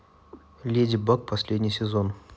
леди баг последний сезон